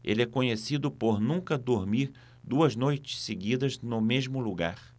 ele é conhecido por nunca dormir duas noites seguidas no mesmo lugar